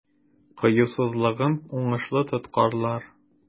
Кыюсызлыгың уңышны тоткарлар.